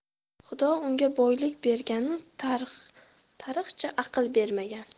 xudo unga boylik berganu tariqcha aql bermagan